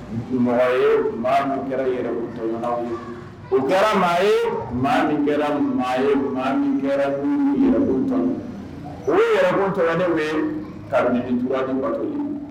Mɔgɔ ye mɔgɔ min kɛra ye u kɛra maa ye maa min kɛra mɔgɔ ye min kɛra yɛrɛkun tan u ye yɛrɛkunt ne ye kajugu bato ye